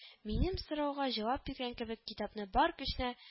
Минем сорауга җавап биргән кебек, китапны бар көченә